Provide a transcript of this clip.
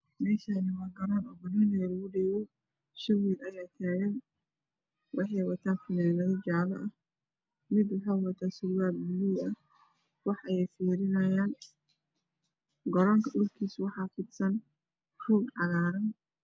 Meeshaan waa meel banooni lugu dheelo, shan wiil ayaa taagan waxay wataan fanaanado jaalo ah midi waxa uu wataa surwaal baluug ah wax ayay fiirina hayaan. Garoonkana waxaa kufidsan roog cagaaran.